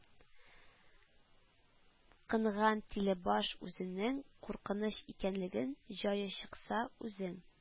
Кынган тилебаш үзенең куркыныч икәнлеген, җае чыкса, үзен